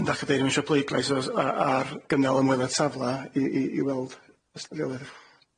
Y- yndach chdi ddim isio pleidlais os- a- ar gynal ymweledd safle i i i weld y stadioledd.